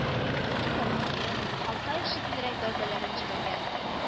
Ике ялагаен, Халтаев шикеллерәк бәндәләрен җибәргән